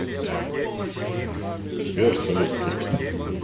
сбер салют пульт